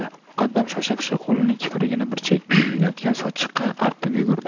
muqaddam shoshapisha qo'lining ko'pigini bir chekkada yotgan sochiqqa artib yugurdi